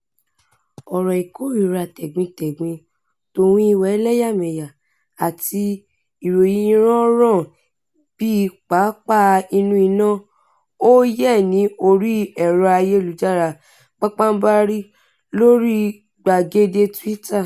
Ọ̀rọ̀ ìkórìíra tẹ̀gbintẹ̀gbin tòun ìwà ẹlẹ́yàmẹyà àti ìròyìn irọ́ ràn bíi pápá inú ọyẹ́ ní orí ẹ̀rọ ayélujára, pabambarì lóríi gbàgede Twitter.